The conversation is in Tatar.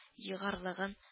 Егарлыгын